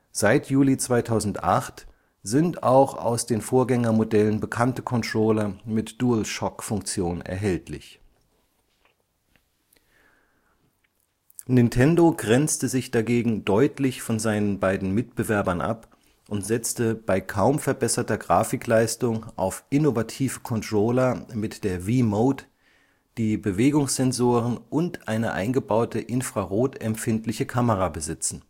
Seit Juli 2008 sind auch aus den Vorgängermodellen bekannte Controller mit Dualshock-Funktion erhältlich. Nintendo grenzte sich dagegen deutlich von seinen beiden Mitbewerbern ab und setzte bei kaum verbesserter Grafikleistung auf innovative Controller (Wiimote), die Bewegungssensoren und eine eingebaute infrarotempfindliche Kamera besitzen